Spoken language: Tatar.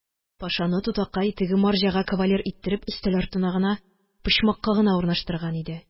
Пашаны тутакай теге марҗага кавалер иттереп өстәл артына гына, почмакка гына урынлаштырган иде